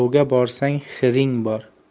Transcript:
ovga borsang hiring bor